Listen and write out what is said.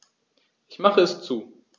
Ich mache es zu.